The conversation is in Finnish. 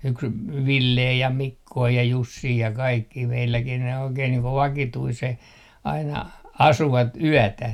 yksi Ville ja Mikko ja Jussi ja kaikkia meilläkin ne oikein niin kuin vakituiseen aina asuivat yötä